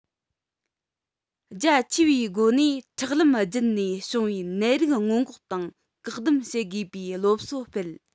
རྒྱ ཆེ བའི སྒོ ནས ཁྲག ལམ བརྒྱུད ནས བྱུང བའི ནད རིགས སྔོན འགོག དང བཀག སྡོམ བྱེད དགོས པའི སློབ གསོ སྤེལ